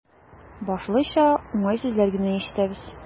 Башлыча, уңай сүзләр генә ишетәбез.